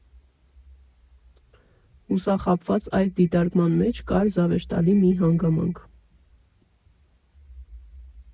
Հուսախաբված այս դիտարկման մեջ կար զավեշտալի մի հանգամանք.